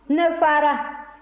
ne fara